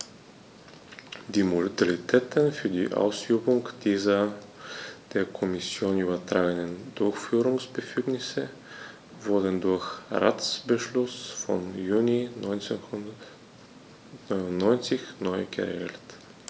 Die Modalitäten für die Ausübung dieser der Kommission übertragenen Durchführungsbefugnisse wurden durch Ratsbeschluss vom Juni 1999 neu geregelt.